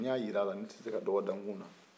n y'a jira n tɛ se ka dɔgɔ da n kun na